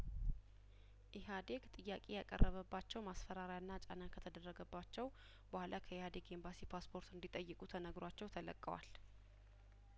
ኢህአዴግ ጥያቄ ያቀረበባቸው ማስፈራሪያና ጫና ከተደረገባቸው በኋላ ከኢህአዴግ ኤምባሲ ፓስፖርት እንዲ ጠይቁ ተነ ግሯቸው ተለቀዋል